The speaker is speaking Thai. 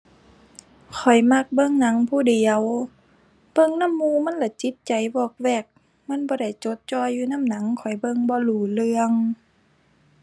ข้อยมักเบิ่งหนังผู้เดียว เบิ่งนำหมู่มันละจิตใจว่อกแว่ก มันบ่ได้จดจ่ออยู่นำหนัง ข้อยเบิ่งบ่รู้เรื่อง